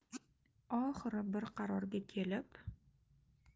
oxiri bir qarorga kelib